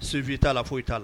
Sofin'i'a la fo foyi' la